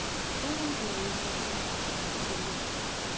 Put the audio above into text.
Тагын тирә-юньгә кан тамчылары сибелгән.